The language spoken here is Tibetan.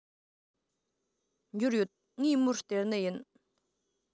འབྱོར ཡོད ངས མོར སྟེར ནི ཡིན